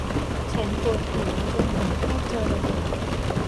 ฉันปวดหัวจนหัวแทบจะระเบิด